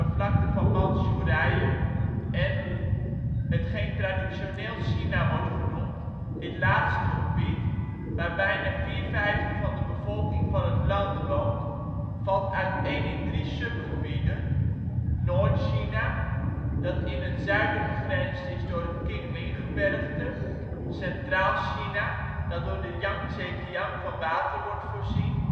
vlakte van Mantsjoerije; en hetgeen traditioneel China wordt genoemd. Dit laatste gebied, waar bijna vier vijfde van de bevolking van het land woont, valt uiteen in drie subgebieden: Noord-China, dat in het zuiden begrensd is door het Qingling-gebergte; Centraal-China, dat door de Jangtsekiang van water wordt voorzien